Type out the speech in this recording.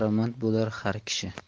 bahramand bo'lar har kishi